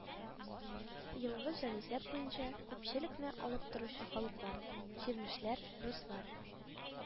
Елгы җанисәп буенча күпчелекне алып торучы халыклар: чирмешләр, руслар